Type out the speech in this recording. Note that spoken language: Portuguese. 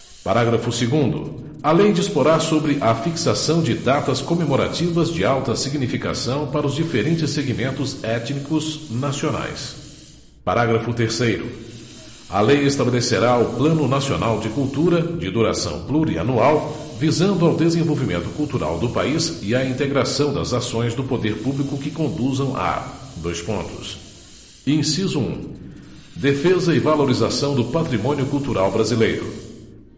parágrafo segundo a lei disporá sobre a fixação de datas comemorativas de alta significação para os diferentes segmentos étnicos nacionais parágrafo terceiro a lei estabelecerá o plano nacional de cultura de duração plurianual visando ao desenvolvimento cultural do país e à integração das ações do poder público que conduzam à dois pontos inciso um defesa e valorização do patrimônio cultural brasileiro